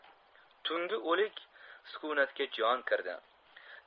tungi o'lik sukunatga jon kirdi